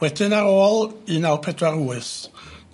Wedyn ar ôl un naw pedwar wyth